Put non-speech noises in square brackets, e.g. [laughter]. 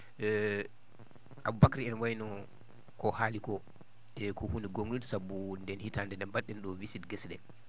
[hesitation] Aboubacry ene wayi no ko haali ko [hesitation] ko huunde gon?ude sabu nden hitaande nde ba??en ?o wisit gese ?e